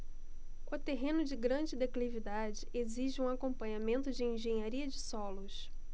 o terreno de grande declividade exige um acompanhamento de engenharia de solos